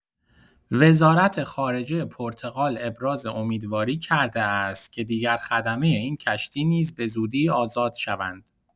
وزارت‌خارجه پرتغال ابراز امیدواری کرده است که دیگر خدمه این کشتی نیز به‌زودی آزاد شوند.